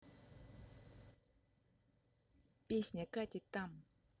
песня катит там